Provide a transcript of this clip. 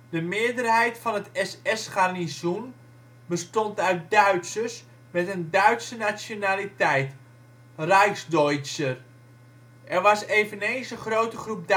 De meerderheid van het SS-garnizoen bestond uit Duitsers met een Duitse nationaliteit (Reichsdeutscher). Er was eveneens een grote groep Duitsers